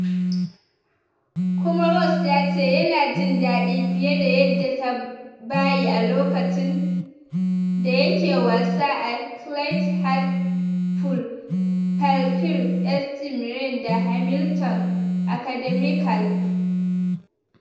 Kuma Ross ya ce yana jin dadi fiye da yadda ya taba yi a lokacin da yake wasa a Clyde, Hartlepool, Falkirk, St Mirren da Hamilton Academical.